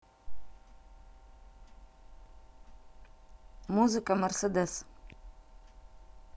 музыка мерседес